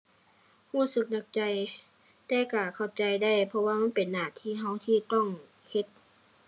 รู้สึกหนักใจ แต่รู้เข้าใจได้ เพราะว่ามันเป็นหน้าที่รู้ที่ต้องเฮ็ด